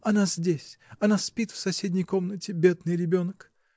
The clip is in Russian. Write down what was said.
она здесь, она спит в соседней комнате, бедный ребенок!